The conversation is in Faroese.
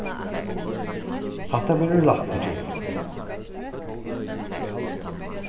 hatta verður lætt at gera